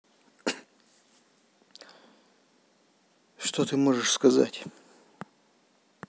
что ты можешь сказать